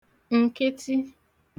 ǹkịtị